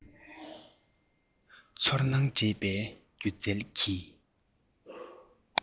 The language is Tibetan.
ཚོར སྣང འདྲེས པའི སྒྱུ རྩལ གྱི